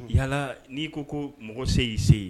Yalala n'i ko ko mɔgɔ se y'i seyi yen